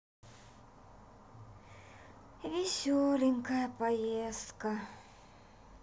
веселенькая поездка